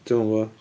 Dwi'm yn gwbod.